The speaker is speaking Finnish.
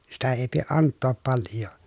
sitä ei pidä antaa paljoa